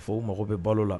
Fo mago bɛ balo la